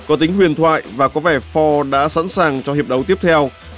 có tính huyền thoại và có vẻ pho đã sẵn sàng cho hiệp đấu tiếp theo